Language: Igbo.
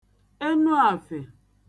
enu àfè